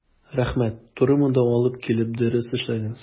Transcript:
Рәхмәт, туры монда алып килеп дөрес эшләгәнсез.